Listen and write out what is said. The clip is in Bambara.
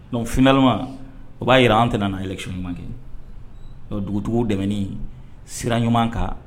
Don finalilama o b'a jira an tɛna' yɛlɛki ɲuman kɛ dugutigitigiw tɛmɛn sira ɲuman kan